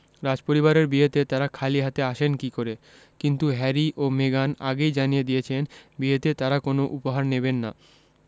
রাজপরিবারের বিয়েতে তাঁরা খালি হাতে আসেন কী করে কিন্তু হ্যারি ও মেগান আগেই জানিয়ে দিয়েছেন বিয়েতে তাঁরা কোনো উপহার নেবেন না